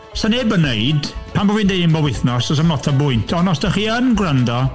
'Sa neb yn wneud, pam bo' fi'n dweud hyn bob wythnos, does 'na'm lot o bwynt. Ond os dach chi yn gwrando...